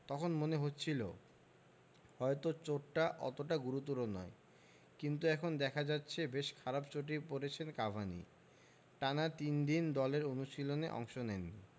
তখন মনে হচ্ছিল হয়তো চোটটা অতটা গুরুতর নয় কিন্তু এখন দেখা যাচ্ছে বেশ খারাপ চোটেই পড়েছেন কাভানি টানা তিন দিন দলের অনুশীলনে অংশ নেননি